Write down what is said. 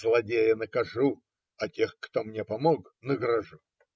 Злодея накажу, а тех, кто мне помог, награжу".